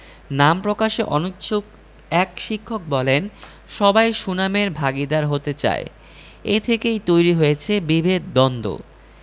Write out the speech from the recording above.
নাম প্রকাশে অনিচ্ছুক এক শিক্ষক বললেন সবাই সুনামের ভাগীদার হতে চায় এ থেকেই তৈরি হয়েছে বিভেদ দ্বন্দ্ব